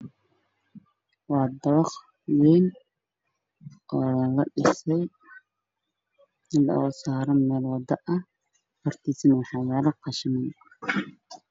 Meeshaan waa dabaq wayn oo laga dhisay meel wado ah hortiisa waxaa yaalo qashin.